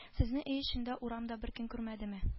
Сезне өй эчендә урамда беркем күрмәдеме